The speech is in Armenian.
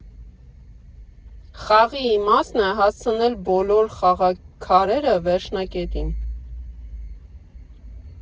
Խաղի իմաստն է՝ հասցնել բոլոր խաղաքարերը վերջնակետին։